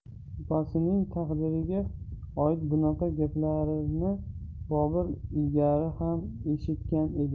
opasining taqdiriga oid bunaqa gaplarni bobur ilgarilari ham eshitgan edi